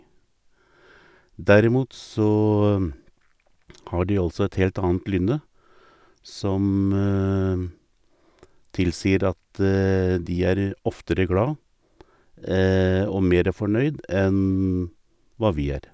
Derimot så har de altså et helt annet lynne, som tilsier at de er oftere glad og mere fornøyd enn hva vi er.